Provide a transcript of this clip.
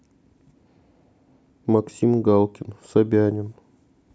максим галкин собянин